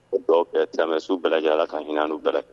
Dɔw kɛ caman su bɛɛla ka hinɛ u bara